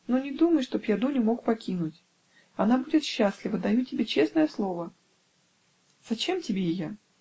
но не думай, чтоб я Дуню мог покинуть: она будет счастлива, даю тебе честное слово. Зачем тебе ее?